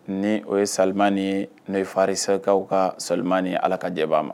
Ni o ye salilima ni n'o ye farisɛ ka salilima ni ala ka jɛ' ma